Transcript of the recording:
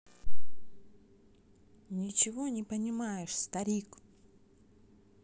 ничего не понимаешь старик